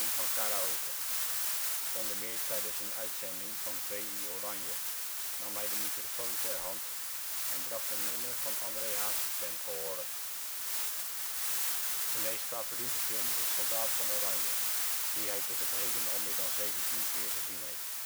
van karaoke. Onder meer tijdens een uitzending van VI Oranje nam hij de microfoon ter hand en bracht een nummer van André Hazes ten gehore. Genee 's favoriete film is Soldaat van Oranje, die hij tot op heden al meer dan zeventien keer gezien heeft